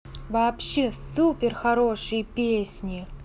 вообще супер хорошие песни